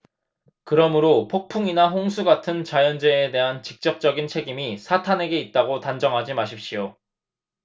그러므로 폭풍이나 홍수 같은 자연재해에 대한 직접적인 책임이 사탄에게 있다고 단정하지 마십시오